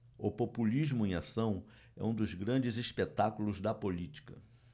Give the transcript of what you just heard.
o populismo em ação é um dos grandes espetáculos da política